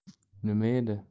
nima edi